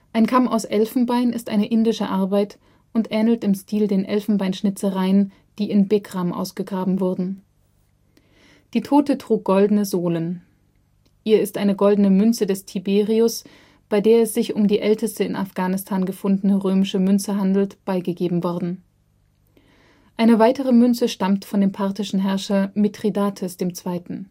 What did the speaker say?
Ein Kamm aus Elfenbein ist eine indische Arbeit und ähnelt im Stil den Elfenbeinschnitzereien, die in Begram ausgegraben wurden. Die Tote trug goldene Sohlen. Ihr ist eine goldene Münze des Tiberius, bei der es sich um die älteste in Afghanistan gefundene römische Münze handelt, beigegeben worden. Eine weitere Münze stammt von dem parthischen Herrscher Mithridates II..